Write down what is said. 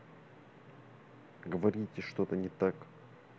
говорите что то не так